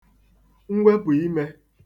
mwepụ̀imē